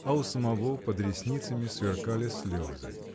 а у самого под ресницами сверкали слезы.